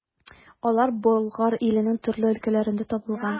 Алар Болгар иленең төрле өлкәләрендә табылган.